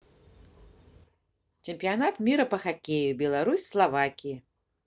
чемпионат мира по хоккею беларусь словакия